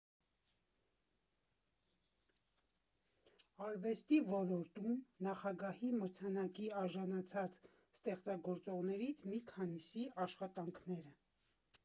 Արվեստի ոլորտում Նախագահի մրցանակի արժանացած ստեղծագործողներից մի քանիսի աշխատանքները։